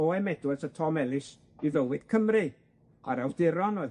Owe Em Edwards a Tom Ellis i fywyd Cymru, a'r awduron oedd